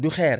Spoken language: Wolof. du xeer